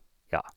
Ja.